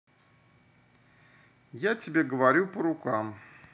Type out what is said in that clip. я тебе говорю по рукам